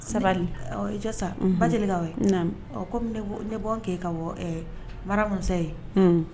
Sabaliri sa ba delikaw'aw ye kɔmi ne bɔ kɛ ka bɔ baaramusosa ye